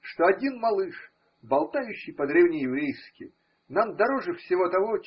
что один малыш, болтающий по-древнееврейски. нам дороже всего того.